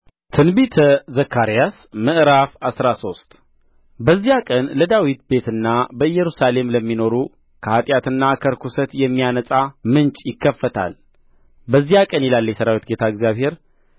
ትንቢተ ዘካርያስ ምዕራፍ አስራ ሶስት በዚያ ቀን ለዳዊት ቤትና በኢየሩሳሌም ለሚኖሩ ከኃጢአትና ከርኵሰት የሚያነጻ ምንጭ ይከፈታል በዚያ ቀን ይላል የሠራዊት ጌታ እግዚአብሔር